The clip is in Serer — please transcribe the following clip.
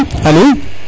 alo